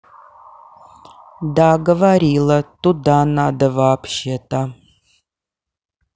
да говорила туда надо вообще то